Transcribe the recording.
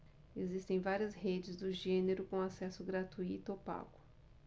existem várias redes do gênero com acesso gratuito ou pago